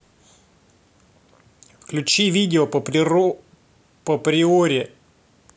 включи видео по приоре